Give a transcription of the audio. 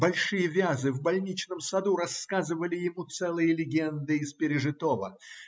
большие вязы в больничном саду рассказывали ему целые легенды из пережитого